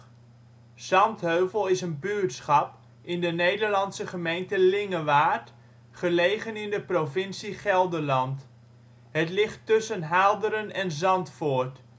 Zandheuvel is een buurtschap in de Nederlandse gemeente Lingewaard, gelegen in de provincie Gelderland. Het tussen Haalderen en Zandvoort